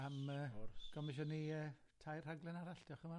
Am yy gomisiynu yy tair rhaglen arall, diolch yn fawr.